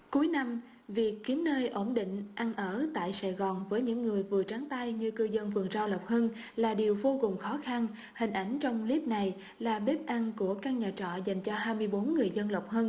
cuối năm vì kiếm nơi ổn định ăn ở tại sài gòn với những người vừa trắng tay như cư dân vườn rau lộc hưng là điều vô cùng khó khăn hình ảnh trong cờ líp này là bếp ăn của các nhà trọ dành cho hai mươi bốn người dân lộc hưng